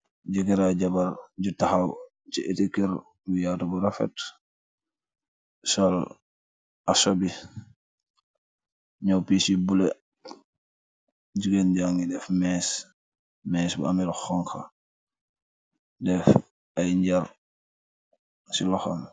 Jekeurr'ah jabarr ju takhaw chii ehhti kerr bu yaaatu bu rafet, sol ashobi, njaww piss yu bleu, gigain jaangy def meeche, meeche bu ameh lu honha, deff aiiy njaanrrr cii lokhom.